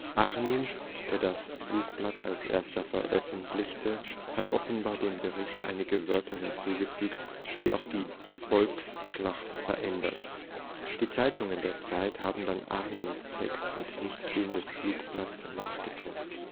Arnim, der das Flugblatt als erster veröffentlichte, hat offenbar dem Bericht einige Wörter hinzugefügt und, wie auch die „ Volksschlacht “, verändert. Die Zeitungen der Zeit haben dann Arnims Text und nicht den des Flugblatts nachgedruckt